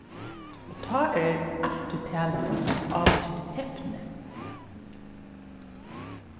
og tá er altíð talan um eitt ávíst hepni